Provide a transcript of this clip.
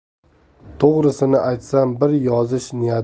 to'g'risini aytsam bir yozish